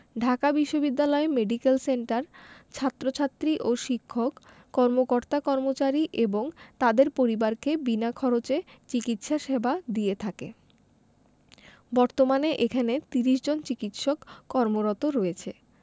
ঢাকা বিশ্ববিদ্যালয় medical centre ছাত্রছাত্রী ও শিক্ষক কর্মকর্তাকর্মচারী এবং তাদের পরিবারকে বিনা খরচে চিকিৎসা সেবা দিয়ে থাকে বর্তমানে এখানে ৩০ জন চিকিৎসক কর্মরত রয়েছেন